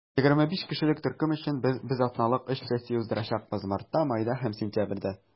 25 кешелек төркем өчен без атналык өч сессия уздырачакбыз - мартта, майда һәм сентябрьдә.